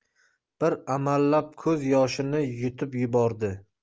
bir amallab ko'z yoshini yutib yubordi